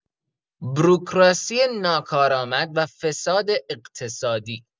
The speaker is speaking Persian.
بوروکراسی ناکارآمد و فساد اقتصادی